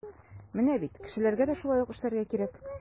Менә бит кешеләргә дә шулай ук эшләргә кирәк.